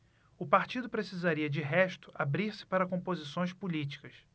o partido precisaria de resto abrir-se para composições políticas